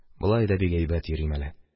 Болай да бик әйбәт йөрим әле.